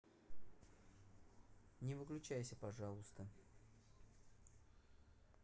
не выключайся пожалуйста